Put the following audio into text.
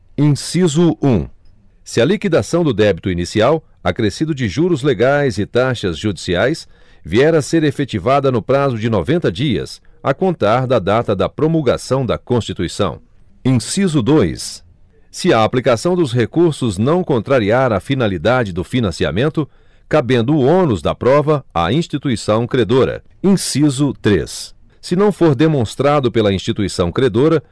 inciso um se a liquidação do débito inicial acrescido de juros legais e taxas judiciais vier a ser efetivada no prazo de noventa dias a contar da data da promulgação da constituição inciso dois se a aplicação dos recursos não contrariar a finalidade do financiamento cabendo o ônus da prova à instituição credora inciso três se não for demonstrado pela instituição credora